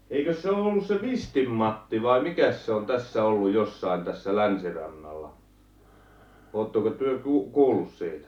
eikös se ole ollut se Vistin Matti vai mikäs se on tässä ollut jossakin tässä länsirannalla oletteko te - kuullut sitä